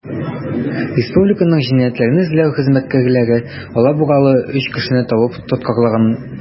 Республиканың җинаятьләрне эзләү хезмәткәрләре алабугалы 3 кешене табып тоткарлаган.